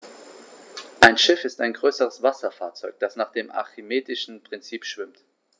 Ein Schiff ist ein größeres Wasserfahrzeug, das nach dem archimedischen Prinzip schwimmt.